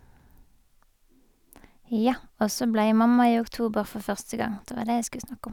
Ja, og så ble jeg mamma i oktober for første gang, det var det jeg skulle snakke om.